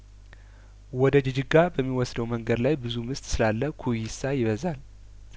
ወደ ጂጂጋ በሚወስደው መንገድ ላይ ብዙም ስጥ ስላለኩ ይሳ ይበዛል